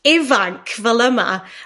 ifanc fel yma,